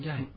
Ndiaye